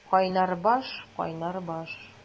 Кайнар баш, кайнар баш!